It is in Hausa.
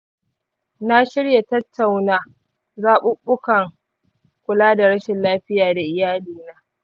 na shirya tattauna zaɓuɓɓukan kula da rashin lafiya da iyalina.